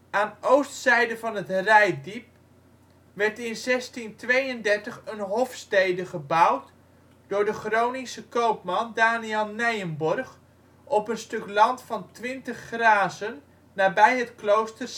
Aan oostzijde van het Reitdiep werd in 1632 een hofstede gebouwd door de Groningse koopman Daniël Nijenborgh op een stuk land van 20 grazen nabij het Klooster